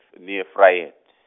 near Vryheid.